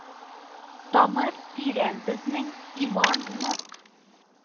Тамыр тирән безнең, иман нык